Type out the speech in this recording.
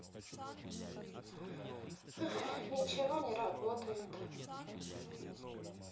ничего не работает